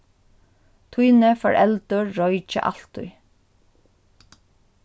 tíni foreldur roykja altíð